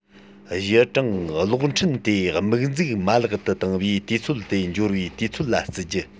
གཞི གྲངས གློག འཕྲིན དེ དམིགས འཛུགས མ ལག ཏུ བཏང བའི དུས ཚོད དེ འབྱོར བའི དུས ཚོད ལ བརྩི རྒྱུ